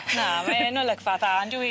Na mae yn olygfa dda on'd yw i?